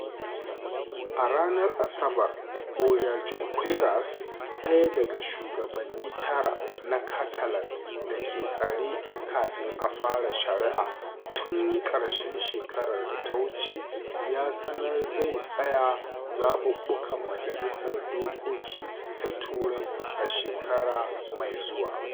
A ranar Asabar, Oriol Junqueras, ɗaya daga shugabanni tara na Catalan da ke tsare kafin a fara shari’a tun ƙarshen shekarar da ta wuce, ya sanar cewa zai tsaya zaɓuɓɓukan Majalisar Dokoki ta Turai a shekara mai zuwa.